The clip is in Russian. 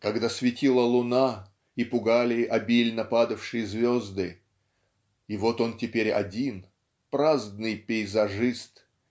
когда светила луна и пугали обильно падавшие звезды и вот он теперь один праздный пейзажист